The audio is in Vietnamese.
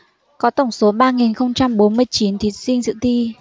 có tổng số ba nghìn không trăm bốn mươi chín thí sinh dự thi